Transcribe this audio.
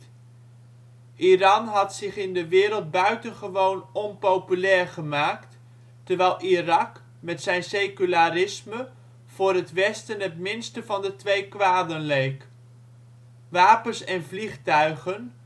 Iran had zich in de wereld buitengewoon onpopulair gemaakt, terwijl Irak met zijn secularisme voor het Westen het minste van twee kwaden leek. Wapens en vliegtuigen